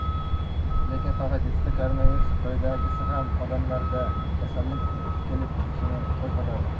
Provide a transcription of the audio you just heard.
lekin faqat yettita koronavirus xitoydagisi ham odamlarda kasallik kelib chiqishini qo'zg'atadi